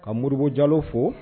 Ka muruurubugu jalo fo